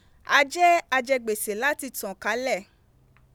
A je ajẹgbese lati tan an kale.